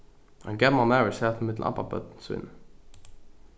ein gamal maður sat millum abbabørn síni